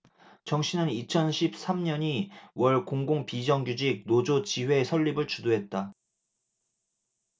정씨는 이천 십 삼 년 이 월 공공비정규직 노조 지회 설립을 주도했다